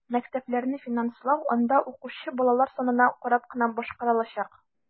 Мәктәпләрне финанслау анда укучы балалар санына карап кына башкарылачак.